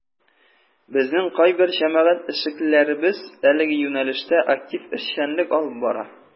Безнең кайбер җәмәгать эшлеклеләребез әлеге юнәлештә актив эшчәнлек алып бара.